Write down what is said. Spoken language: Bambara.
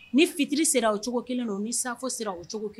Ni fitiri sera o cogo 1 don, ni safo sera o cog